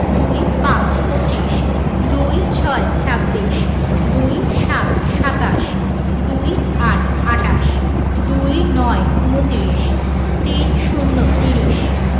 ২৫ – পঁচিশ ২৬ – ছাব্বিশ ২৭ – সাতাশ ২৮ - আটাশ ২৯ -ঊনত্রিশ ৩০ - ত্রিশ